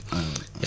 amiin